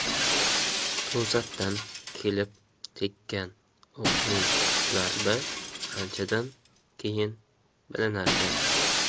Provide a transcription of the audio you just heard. to'satdan kelib tekkan o'qning zarbi anchadan keyin bilinarkan